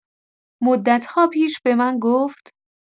مدت‌ها پیش به من گفت